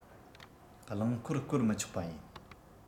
རླངས འཁོར སྐོར མི ཆོག པ ཡིན